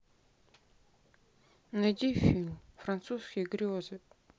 найди фильм французские грезы